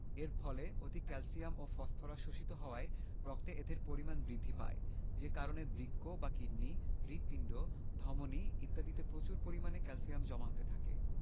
এর ফলে অধিক ক্যালসিয়াম ও ফসফরাস শোষিত হওয়ায় রক্তে এদের পরিমাণ বৃদ্ধি পায় যে কারণে বৃক্ক বা কিডনি হৃৎপিণ্ড ধমনি ইত্যাদিতে প্রচুর পরিমাণে ক্যালসিয়াম জমা হতে থাকে